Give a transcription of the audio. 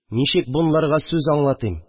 Ничек бунларга сүз аңлатыйм